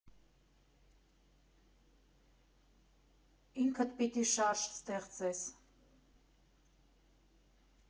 Ինքդ պիտի շարժ ստեղծես։